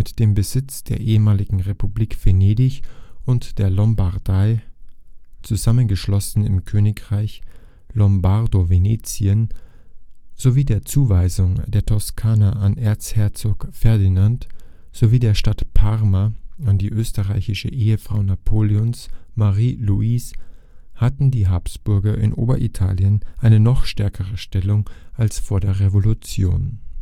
dem Besitz der ehemaligen Republik Venedig und der Lombardei, zusammengeschlossen im Königreich Lombardo-Venetien, sowie der Zuweisung der Toskana an Erzherzog Ferdinand sowie der Stadt Parma an die österreichische Ehefrau Napoleons Marie-Louise hatten die Habsburger in Oberitalien eine noch stärkere Stellung als vor der Revolution